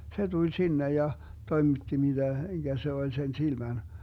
se tuli sinne ja toimitti mitä mikä se oli sen silmän